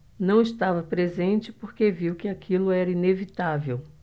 não estava presente porque viu que aquilo era inevitável